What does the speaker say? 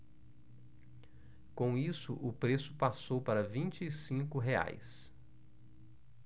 com isso o preço passou para vinte e cinco reais